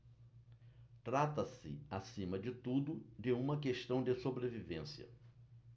trata-se acima de tudo de uma questão de sobrevivência